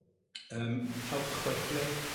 yym taw chwedle